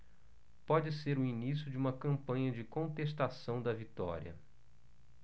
pode ser o início de uma campanha de contestação da vitória